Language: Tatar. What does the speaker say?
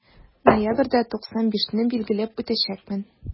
Ноябрьдә 95 не билгеләп үтәчәкмен.